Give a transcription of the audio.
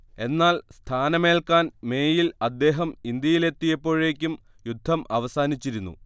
എന്നാൽ സ്ഥാനമേൽക്കാൻ മേയിൽ അദ്ദേഹം ഇന്ത്യയിലെത്തിയപ്പോഴേക്കും യുദ്ധം അവസാനിച്ചിരുന്നു